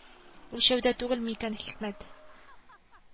Аннары бар да баскычларга юнәлделәр.